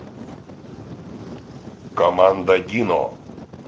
команда дино